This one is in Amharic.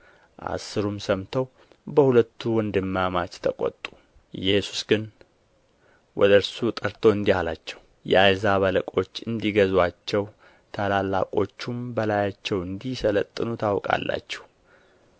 አሥሩም ሰምተው በሁለቱ ወንድማማች ተቈጡ ኢየሱስ ግን ወደ እርሱ ጠርቶ እንዲህ አላቸው የአሕዛብ አለቆች እንዲገዙአቸው ታላላቆቹም በላያቸው እንዲሠለጥኑ ታውቃላችሁ